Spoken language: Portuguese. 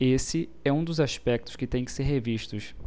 esse é um dos aspectos que têm que ser revistos